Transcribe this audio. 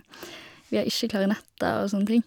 Vi har ikke klarinetter og sånne ting.